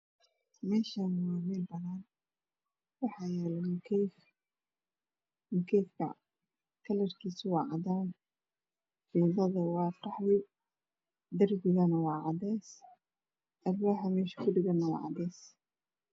Meshani wa mel banan ah waxa yala mu kayf jingadu waa qaxwi darbigu qa cadays alwaxa mesga ku dhagan wa cadays